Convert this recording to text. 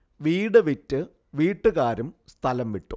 വീട് വിറ്റ് വീട്ടുകാരും സ്ഥലം വിട്ടു